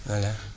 voilà